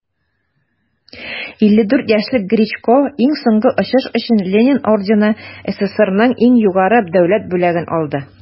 54 яшьлек гречко иң соңгы очыш өчен ленин ордены - сссрның иң югары дәүләт бүләген алды.